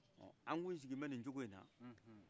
an tun sigilen bɛ ni cogoyina